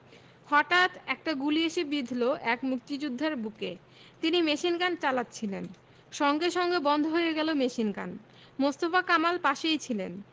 হতাৎ একটা গুলি এসে বিঁধল এক মুক্তিযোদ্ধার বুকে তিনি মেশিনগান চালাচ্ছিলেন সঙ্গে সঙ্গে বন্ধ হয়ে গেল মেশিনগান মোস্তফা কামাল পাশেই ছিলেন